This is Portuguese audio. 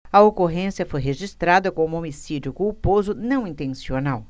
a ocorrência foi registrada como homicídio culposo não intencional